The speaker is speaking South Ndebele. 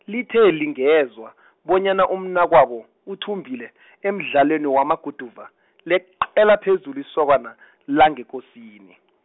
lithe lingezwa , bonyana umnakwabo, uthumbile , emdlalweni wamaguduva, leqela phezulu isokana , langeKosini.